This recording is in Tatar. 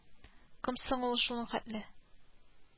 Кем соң ул шуның хәтле